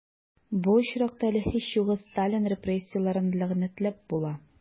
Бу очракта әле, һич югы, Сталин репрессияләрен ләгънәтләп була...